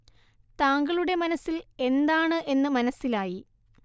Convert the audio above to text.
താങ്കളുടെ മനസ്സിൽ എന്താണ് എന്ന് മനസ്സിലായി